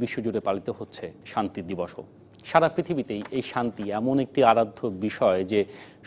বিশ্বজুড়ে পালিত হচ্ছে শান্তি দিবসও সারা পৃথিবীতেই শান্তি এমন একটি আরাধ্য বিষয় যে